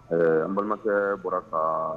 Ɛɛ an balimakɛ bɔra ka